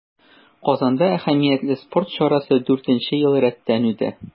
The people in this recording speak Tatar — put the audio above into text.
Казанда әһәмиятле спорт чарасы дүртенче ел рәттән үтә.